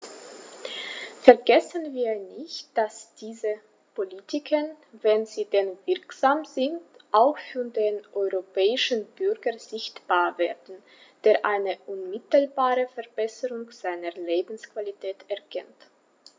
Vergessen wir nicht, dass diese Politiken, wenn sie denn wirksam sind, auch für den europäischen Bürger sichtbar werden, der eine unmittelbare Verbesserung seiner Lebensqualität erkennt!